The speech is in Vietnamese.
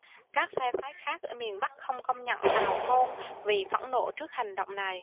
các phe phái khác ở miền bắc không công nhận tào côn vì phẫn nộ trước hành động này